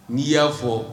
N'i y'a fɔ